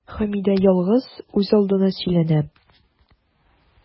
Хәмидә ялгыз, үзалдына сөйләнә.